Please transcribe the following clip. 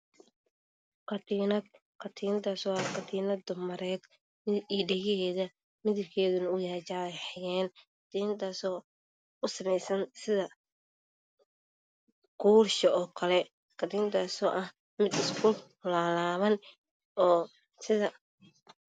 Waa katiinad iyo dhagaheeda midabkeedu waa jaale xegeen waa katiinad dumar oo ah mid kuul leh oo isku laalaaban.